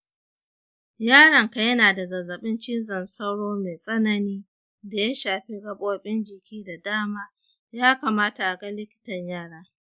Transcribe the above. yaronka yana da zazzaɓin cizon sauro mai tsanani da ya shafi gabobin jiki da dama, ya kamata a ga likitan yara